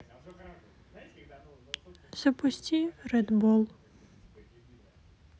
запусти ред бол